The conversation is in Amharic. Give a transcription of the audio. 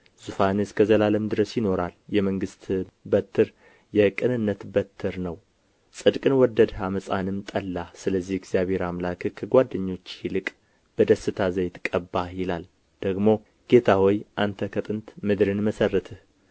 ዙፋንህ እስከ ዘላለም ድረስ ይኖራል የመንግሥትህ በትር የቅንነት በትር ነው ጽድቅን ወደድህ ዓመፅንም ጠላህ ስለዚህ እግዚአብሔር አምላክህ ከጓደኞችህ ይልቅ በደስታ ዘይት ቀባህ ይላል ደግሞ ጌታ ሆይ አንተ ከጥንት ምድርን መሠረትህ